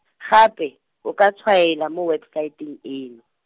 gape, o ka tshwaela mo website eno.